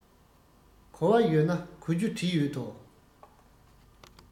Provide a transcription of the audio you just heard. གོ བ ཡོད ན གོ རྒྱུ བྲིས ཡོད དོ